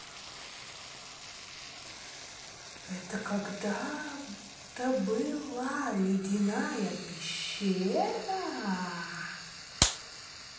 это когда то была ледяная пещера